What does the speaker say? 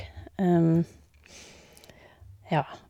Ja.